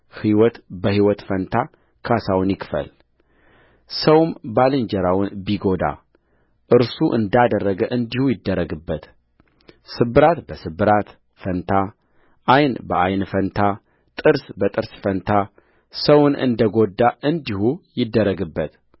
ሕይወት በሕይወት ፋንታ ካሣውን ይክፈልሰውም ባልንጀራውን ቢጐዳ እርሱ እንዳደረገ እንዲሁ ይደረግበትስብራት በስብራት ፋንታ ዓይን በዓይን ፋንታ ጥርስ በጥርስ ፋንታ ሰውን እንደ ጐዳ እንዲሁ ይደረግበት